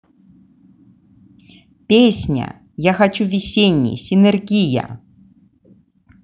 песня я хочу весенний синергия